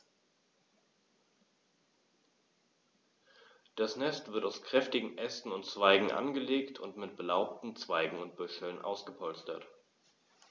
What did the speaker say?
Das Nest wird aus kräftigen Ästen und Zweigen angelegt und mit belaubten Zweigen und Büscheln ausgepolstert.